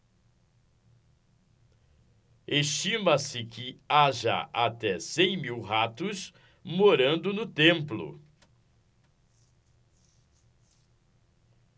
estima-se que haja até cem mil ratos morando no templo